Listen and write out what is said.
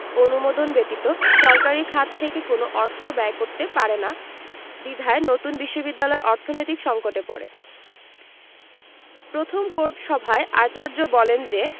অনুমোদন ব্যতীত সরকারি খাত থেকে কোন অর্থ ব্যয় করতে পারে না বিধায় নতুন বিশ্ববিদ্যালয় অর্থনৈতিক সংকটে পড়ে প্রথম কোর্ট সভায় আচার্য বলেন যে